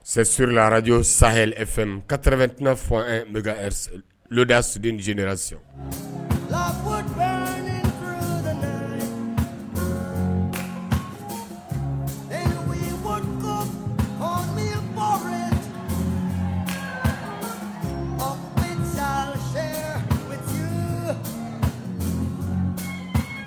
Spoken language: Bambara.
Seurlarajo sa fɛ ka tarawele tɛna fɔ bɛka da siriden j sisan